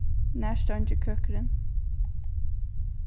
nær steingir køkurin